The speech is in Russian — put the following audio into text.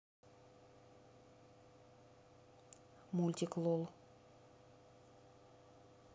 мультик лол